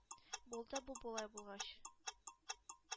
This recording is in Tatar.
Булды бу болай булгач!